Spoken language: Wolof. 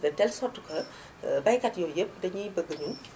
de telle sorte que baykat yooyu yëpp dañuy bëgg ñun